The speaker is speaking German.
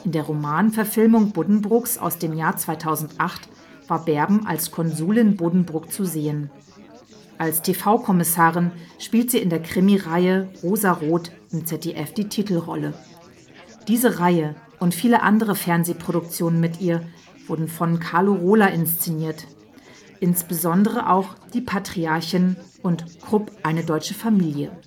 der Roman-Verfilmung Buddenbrooks aus dem Jahr 2008 war Berben als Konsulin Buddenbrook zu sehen. Als TV-Kommissarin spielt sie in der Krimi-Reihe Rosa Roth im ZDF die Titelrolle. Diese Reihe und viele andere Fernsehproduktionen mit ihr wurden von Carlo Rola inszeniert, insbesondere auch Die Patriarchin und Krupp – Eine deutsche Familie